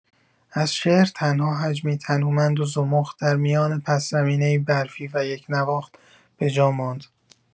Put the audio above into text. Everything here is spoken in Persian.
از شعر تنها حجمی تنومند و زمخت در میان پس زمینه‌ای برفی و یکنواخت به جا ماند.